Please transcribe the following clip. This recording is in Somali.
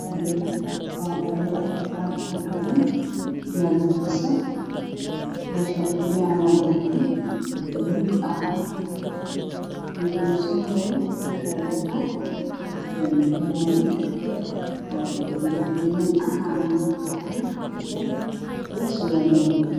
Waa niman oo dhalinyaro ah aad u faro badan meel darbi ah fadhiso oo buluug ah. Ninka ugu soo horeeyo waxuu wataa fanaanad buluug xegeen ah ama qaxwi iyo surwaal madow ah.